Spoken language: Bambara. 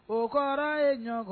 O kɔrɔ ye ɲɔgɔn